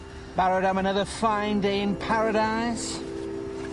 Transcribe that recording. Barod am another fine day in paradise?